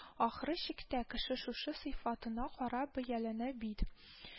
Ахры чиктә, кеше шушы сыйфатына карап бәяләнә бит